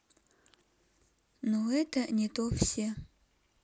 но это не то все